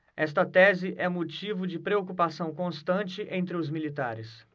esta tese é motivo de preocupação constante entre os militares